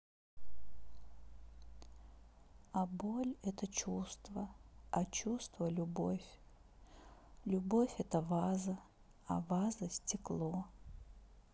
а боль это чувство а чувство любовь любовь это ваза а ваза стекло